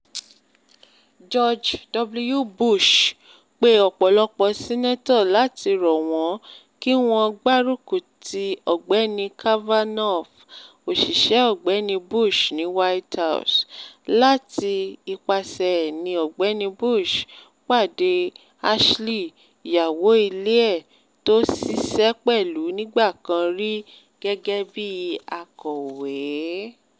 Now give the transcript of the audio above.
George W. Bush pe ọ̀pọ̀lọpọ̀ Sìnàtọ̀ láti rọ̀ wọn kí wọ́n gbárùkùtì Ọ̀gbẹni Kavanaugh, òṣìṣẹ́ Ọ̀gbẹni Bush ní White House. Làti ipasẹ̀ ẹ̀ ni Ọ̀gbẹni Bush pàdé Ashley, ìyàwó ilé ẹ̀ tó ṣiṣẹ́ pẹ̀lú nígbà kan rí gẹ́gẹ́ bí akọ̀wé,